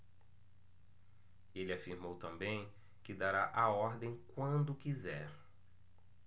ele afirmou também que dará a ordem quando quiser